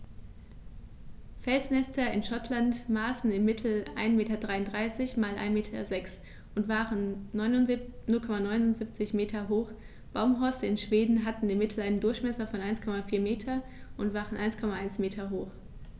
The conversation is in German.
Felsnester in Schottland maßen im Mittel 1,33 m x 1,06 m und waren 0,79 m hoch, Baumhorste in Schweden hatten im Mittel einen Durchmesser von 1,4 m und waren 1,1 m hoch.